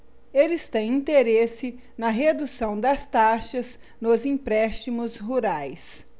eles têm interesse na redução das taxas nos empréstimos rurais